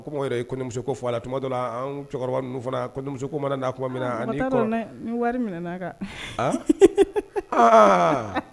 Comme o yɛrɛ ye kɔɲɔmuso ko fɔ a la, tuma dɔ la, an cɛkɔrɔba ninnu fana kɔɲɔmuso ko ma nana tuma min kɔ , mɔgɔ t'a don dɛ ni wari minɛ ka,